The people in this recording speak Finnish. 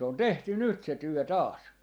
se on tehty nyt se työ taas